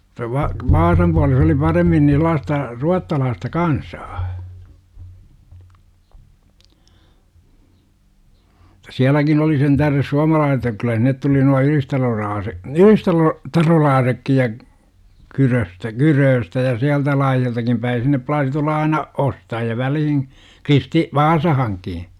-- Vaasan puolella - oli paremmin niin sellaista ruotsalaista kansaa - sielläkin oli sen tähden - että kyllä sinne tuli nuo -- ylistarolaisetkin ja Kyröstä Kyröstä ja sieltä laajaltakin päin sinne plaasi tulla aina ostajia väliin - Vaasaankin